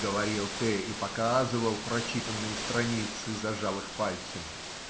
говорил ты и показывал прочитанные страницы, зажав их пальцами.